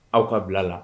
Aw ka bila la